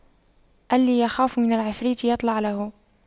اللي يخاف من العفريت يطلع له